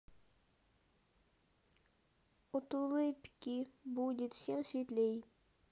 от улыбки будет всем светлей